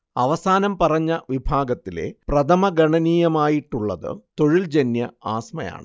അവസാനം പറഞ്ഞ വിഭാഗത്തിലെ പ്രഥമഗണനീയമായിട്ടുള്ളത് തൊഴിൽജന്യ ആസ്മയാണ്